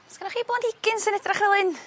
Sgennach chi blanhigyn sy'n edrych fel 'yn?